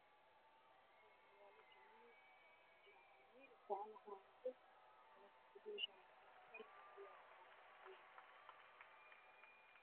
Waa weel shaandha miir camal ah waxaa hayo qof gacmaha galoofis ugu jiraan